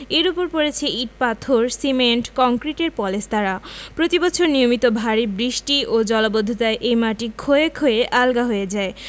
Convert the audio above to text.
এর ওপর পড়েছে ইট পাথর সিমেন্ট ও কংক্রিটের পলেস্তারা প্রতিবছর নিয়মিত ভারি বৃষ্টি ও জলাবদ্ধতায় এই মাটি ক্ষয়ে ক্ষয়ে আলগা হয়ে যায়